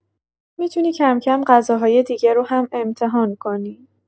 می‌تونی کم‌کم غذاهای دیگه رو هم امتحان کنی.